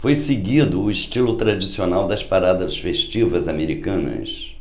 foi seguido o estilo tradicional das paradas festivas americanas